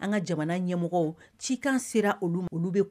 An ka jamana ɲɛmɔgɔ ci kan sera olu olu bɛ